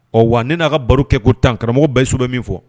Ɔ wa ne n'a ka baro kɛ ko tan karamɔgɔ bɛɛso bɛ min fɔ